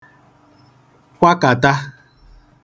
kwakàta